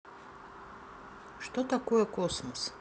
что такое космос